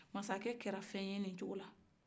masakɛ kɛra fɛn ye nin cogo la